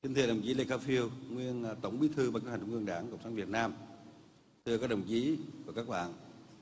kính thưa đồng chí lê khả phiêu nguyên tổng bí thư vận hành trung ương đảng cộng sản việt nam thưa các đồng chí và các bạn